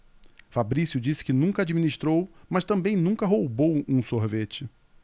fabrício disse que nunca administrou mas também nunca roubou um sorvete